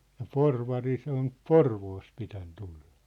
ja Porvari se on Porvoosta pitänyt tulla